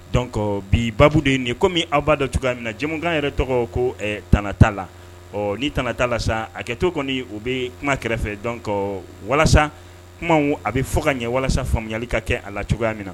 Donc bi baa de nin ko min aw b'a dɔn cogoya min na jamukan yɛrɛ tɔgɔ ko tta la ɔ ni ttala sa a kɛ to kɔni o bɛ kuma kɛrɛfɛ walasa kuma a bɛ fɔ ka ɲɛ walasa faamuyayali ka kɛ a la cogoyaya min na